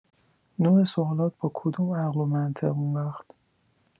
نوع سوالات با کدوم عقل و منطق اونوقت؟